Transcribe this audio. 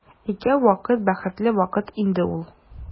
Икәү вакыт бәхетле вакыт инде ул.